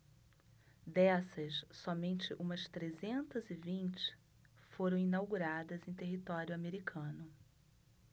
dessas somente umas trezentas e vinte foram inauguradas em território americano